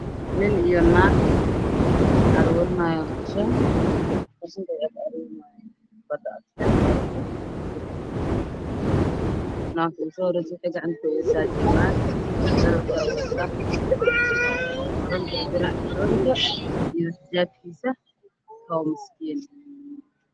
Waxaa ii muuqda meel xeeb ah oo qashin yaalo waxaa hagaajinayaa dad farabadan oo isugu jiro niman iyo naago u hayno wataan jaakad jaalle ah